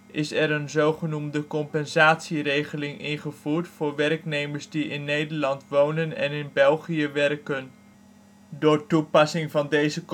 is er een zogenoemde compenssatieregeling ingevoerd voor werknemers die in Nederland wonen en in België werken. Door toepassing van deze